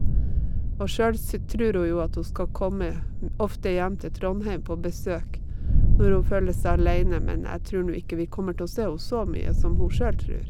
Og sjøl så trur hun jo at hun skal komme m ofte hjem til Trondheim på besøk når hun føler seg aleine, men jeg trur nå ikke vi kommer til å se ho så mye som hun sjøl trur.